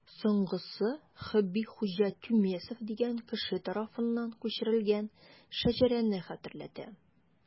Соңгысы Хөббихуҗа Тюмесев дигән кеше тарафыннан күчерелгән шәҗәрәне хәтерләтә.